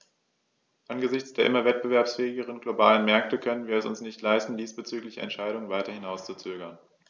Angesichts der immer wettbewerbsfähigeren globalen Märkte können wir es uns nicht leisten, diesbezügliche Entscheidungen weiter hinauszuzögern.